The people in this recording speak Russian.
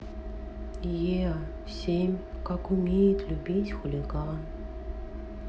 еа семь как умеет любить хулиган